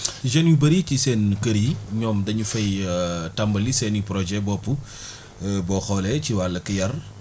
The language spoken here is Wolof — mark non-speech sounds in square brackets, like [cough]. [breath] jeunes yu bëri ci seen kër yi ñoom dañu fay [hesitation] tàmbali seen i projets bopp [breath] boo xoolee ci wàll yar